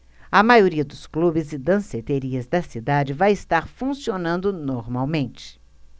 a maioria dos clubes e danceterias da cidade vai estar funcionando normalmente